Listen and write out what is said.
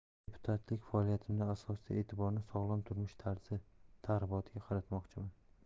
deputatlik faoliyatimda asosiy e'tiborni sog'lom turmush tarzi targ'ibotiga qaratmoqchiman